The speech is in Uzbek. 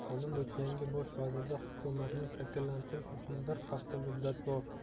qonun bo'yicha yangi bosh vazirda hukumatni shakllantirish uchun bir hafta muddat bor